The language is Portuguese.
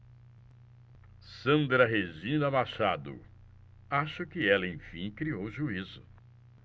sandra regina machado acho que ela enfim criou juízo